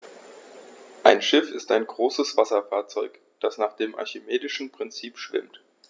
Ein Schiff ist ein größeres Wasserfahrzeug, das nach dem archimedischen Prinzip schwimmt.